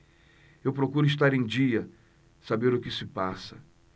eu procuro estar em dia saber o que se passa